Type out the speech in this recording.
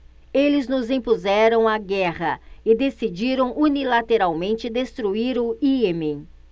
eles nos impuseram a guerra e decidiram unilateralmente destruir o iêmen